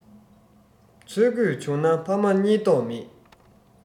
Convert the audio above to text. འཚོལ དགོས བྱུང ན ཕ མ རྙེད མདོག མེད